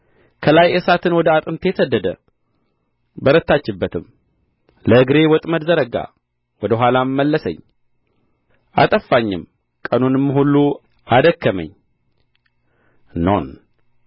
ከላይ እሳትን ወደ አጥንቴ ሰደደ በረታችበትም ለእግሬ ወጥመድ ዘረጋ ወደ ኋላም መለሰኝ አጠፋኝም ቀኑንም ሁሉ አደከመኝ ኖን